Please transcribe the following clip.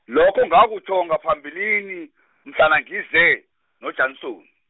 lokho ngakutjho naphambilini, mhlana ngize, noJanson.